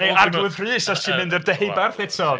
Neu Arglwydd Rhys os ti'n mynd i'r Deheubarth eto.